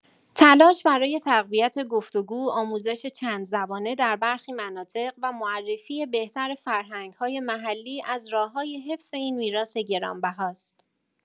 تلاش برای تقویت گفت‌وگو، آموزش چندزبانه در برخی مناطق و معرفی بهتر فرهنگ‌های محلی از راه‌های حفظ این میراث گرانبهاست.